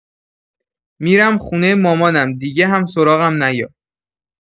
می‌رم خونه مامانم دیگه هم سراغم نیا